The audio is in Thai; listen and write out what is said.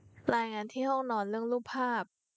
รายงานที่ห้องนอนเรื่องรูปภาพ